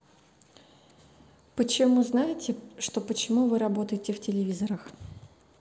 почему знаете что почему вы работаете в телевизорах